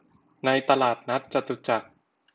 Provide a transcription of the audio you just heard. ในตลาดนัดจตุจักร